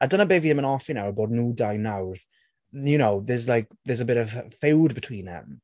A dyna be fi ddim yn hoffi nawr, bo' nhw dau nawr... You know, there's like, there's a bit of a feud between 'em.